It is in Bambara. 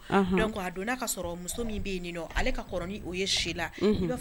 Don a don n'a kaa sɔrɔ muso min bɛ ale ka o ye si la